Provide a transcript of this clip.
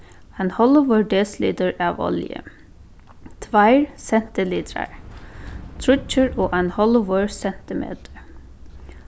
ein hálvur desilitur av olju tveir sentilitrar tríggir og ein hálvur sentimetur